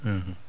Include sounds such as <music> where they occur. <hesitation> <hesitation>